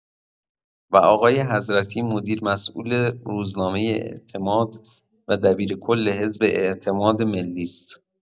و آقای حضرتی مدیرمسئول روزنامه اعتماد و دبیرکل حزب اعتمادملی است.